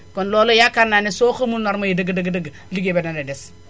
kon loolu yaakaar naa ne soo xamul normes yi dëgg dëgg dëgg liggéey ba dana des